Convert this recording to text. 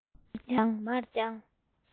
ཡར བརྐྱངས མར བརྐྱངས